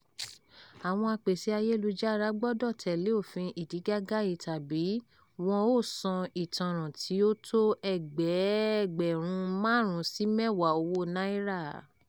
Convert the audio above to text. Àwọn apèsè ayélujára gbọdọ̀ tẹ̀lé òfin ìdígàgá yìí tàbí kí wọ́n ó sanwó ìtanràn tí ó tó ẹgbẹẹgbẹ̀rún 5 sí 10 owó naira